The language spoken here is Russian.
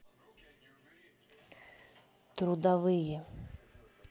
трудовые